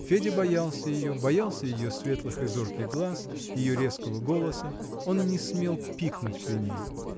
Федя боялся ее, боялся ее светлых и зорких глаз, ее резкого голоса он не смел пикнуть при ней